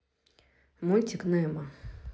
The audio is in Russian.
мультик немо